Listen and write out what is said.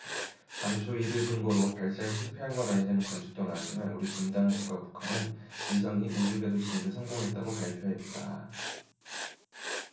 당초 이를 근거로 발사에 실패한 것 아니냐는 관측도 나왔지만 우리 군 당국과 북한은 위성이 우주궤도 진입에 성공했다고 발표했다